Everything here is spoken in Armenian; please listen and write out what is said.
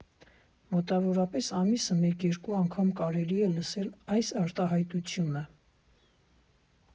Մոտավորապես ամիսը մեկ֊երկու անգամ կարելի է լսել այս արտահայտությունը.